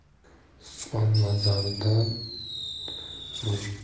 sichqon nazarida mushukdan